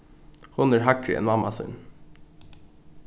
hon er hægri enn mamma sín